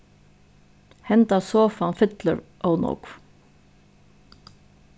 henda sofan fyllir ov nógv